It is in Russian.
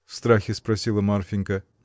— в страхе спросила Марфинька.